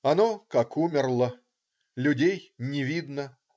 Оно - как умерло: людей не видно.